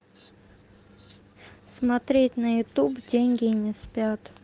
смотреть на ютуб деньги не спят